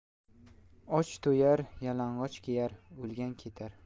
och to'yar yalang'och kiyar o'lgan ketar